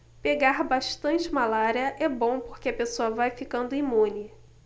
pegar bastante malária é bom porque a pessoa vai ficando imune